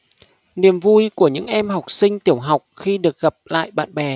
niềm vui của những em học sinh tiểu học khi được gặp lại bạn bè